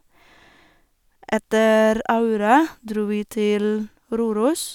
Etter Aure dro vi til Røros.